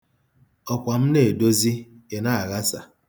Ọ kwa m na-edozi, ị na-aghasa.